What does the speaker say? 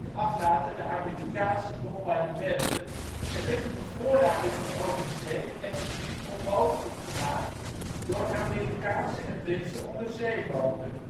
aflatende Amerikaanse bombardementen en werd de bevoorrading van overzee effectief onmogelijk gemaakt door Amerikaanse en Britse onderzeeboten